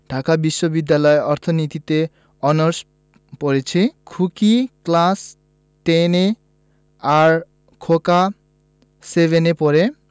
ঢাকা বিশ্ববিদ্যালয়ে অর্থনীতিতে অনার্স পরছি খুকি ক্লাস টেন এ আর খোকা সেভেন এ পড়ে